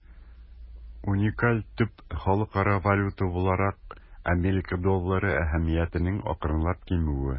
Уникаль төп халыкара валюта буларак Америка доллары әһәмиятенең акрынлап кимүе.